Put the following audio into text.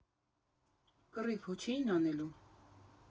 Կռիվ հո չէի՞ն անելու։